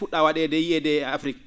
fu??aa wa?eede e yiyeede e Afrique